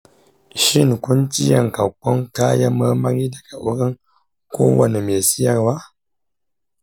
shin kun ci yankakkun kayan marmari daga wurin kowane mai siyarwa?